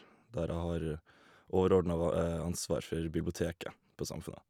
Der jeg har overordnet va ansvar for biblioteket på Samfundet.